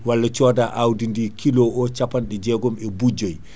walla coda awdidi kilo ocapanɗe jeegom e buuɗi joyyi